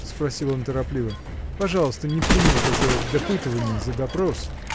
— спросил он торопливо, — пожалуйста, не прими этого за допытыванье, за допрос